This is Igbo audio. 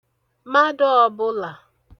madụ̀ ọbụlà